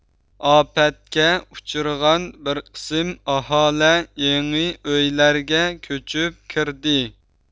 ئاپەتكە ئۇچرىغان بىر قىسىم ئاھالە يېڭى ئۆيلەرگە كۆچۈپ كىردى